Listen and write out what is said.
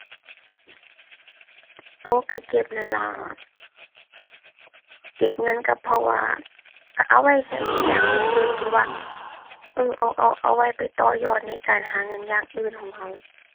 เอ้า ก็เก็บนั่นล่ะ เก็บเงินก็เพราะว่า ก็เอาไว้ก็ในยามฉุกเฉินหรือว่า เออเอา เอา เอาไว้ไปต่อยอดในการหาเงินอย่างอื่นของก็